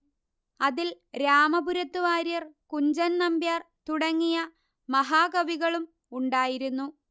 അതിൽ രാമപുരത്തു വാര്യർ കുഞ്ചൻ നമ്പ്യാർ തുടങ്ങിയ മഹാകവികളും ഉണ്ടായിരുന്നു